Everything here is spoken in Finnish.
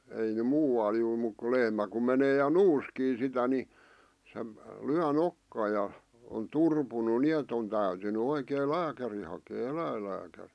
ei ne muualle juuri mutta kun lehmä kun menee ja nuuskii sitä niin se lyö nokkaan ja on turpunut niin että on täytynyt oikein lääkäri hakea eläinlääkäri